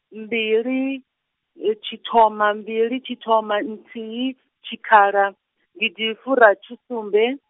mbili, tshithoma mbili tshithoma nthihi tshikhala, gidifurathisumbe.